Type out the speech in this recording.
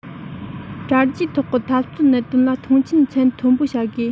དྲ རྒྱའི ཐོག གི འཐབ རྩོད གནད དོན ལ མཐོང ཆེན ཚད མཐོན པོ བྱ དགོས